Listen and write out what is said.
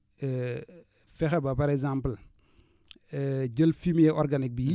fexe ba par exemple jël fumier organique bii